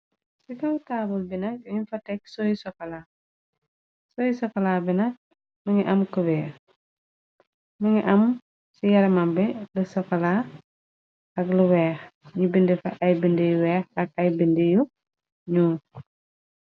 Ci kaw taabul bina, yunu fa teg -sokoa, sooy sokola bina më nga am cubeex, më nga am ci yaramambe lu sokola, ak lu weex, ñu bind fa ay binde yu weex, ak ay binde yu ñuu.